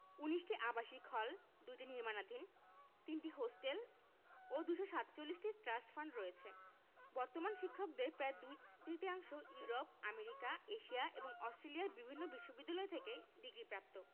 ১৯টি আবাসিক হল ২টি নির্মাণাধীন ৩টি হোস্টেল ও ২৪৭টি ট্রাস্ট ফান্ড রয়েছে বর্তমান শিক্ষকদের প্রায় দুই তৃতীয়াংশ ইউরোপ আমেরিকা এশিয়া এবং অস্ট্রেলিয়ার বিভিন্ন বিশ্ববিদ্যালয় থেকে ডিগ্রিপ্রাপ্ত